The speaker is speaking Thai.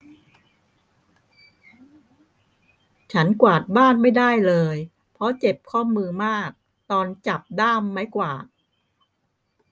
ฉันกวาดบ้านไม่ได้เลยเพราะเจ็บข้อมือมากตอนจับด้ามไม้กวาด